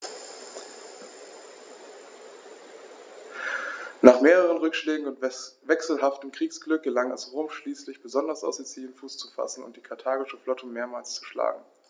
Nach mehreren Rückschlägen und wechselhaftem Kriegsglück gelang es Rom schließlich, besonders auf Sizilien Fuß zu fassen und die karthagische Flotte mehrmals zu schlagen.